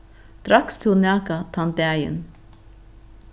drakst tú nakað tann dagin